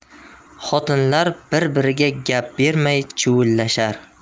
xotinlar bir biriga gap bermay chuvillashar